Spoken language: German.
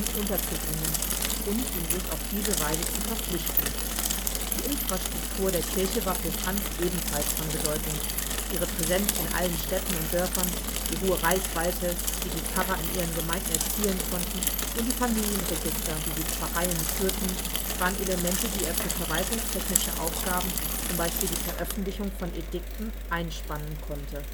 unterzubringen und ihn sich auf diese Weise zu verpflichten. Die Infrastruktur der Kirche war für Franz ebenfalls von Bedeutung: Ihre Präsenz in allen Städten und Dörfern, die hohe Reichweite, die die Pfarrer in ihren Gemeinden erzielen konnten, und die Familienregister, die die Pfarreien führten, waren Elemente, die er für verwaltungstechnische Aufgaben, zum Beispiel die Veröffentlichung von Edikten, einspannen konnte